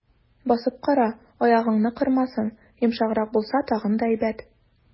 Басып кара, аягыңны кырмасын, йомшаграк булса, тагын да әйбәт.